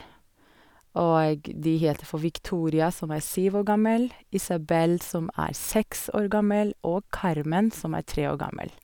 Og de heter for Victoria, som er syv år gammel, Isabell, som er seks år gammel, og Carmen, som er tre år gammel.